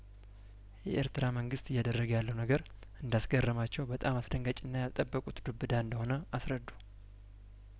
የኤርትራ መንግስት እያደረገ ያለው ነገር እንዳስገረማቸው በጣም አስደንጋጭና ያልጠበቁት ዱብእዳ እንደሆነ አስረዱ